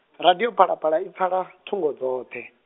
radio Phalaphala ipfala, thungo dzoṱhe.